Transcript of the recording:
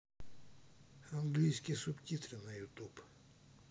английские субтитры на ютуб